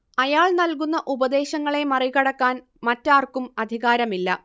അയാൾ നൽകുന്ന ഉപദേശങ്ങളെ മറികടക്കാൻ മറ്റാർക്കും അധികാരമില്ല